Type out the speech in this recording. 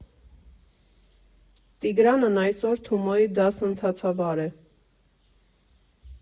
Տիգրանն այսօր Թումոյի դասընթացավար է։